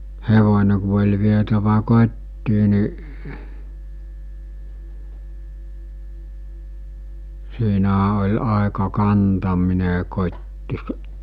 hevonen kun oli vietävä kotiin niin siinähän oli aika kantaminen kotiin -